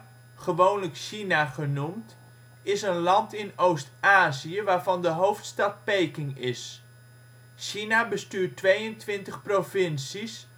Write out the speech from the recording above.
gewoonlijk China genoemd, is een land in Oost-Azië, waarvan de hoofdstad Peking is. China bestuurt 22 provincies